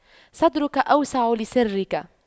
صدرك أوسع لسرك